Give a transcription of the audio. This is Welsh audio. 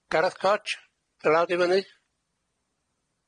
Gareth Codge, dy law di fyny?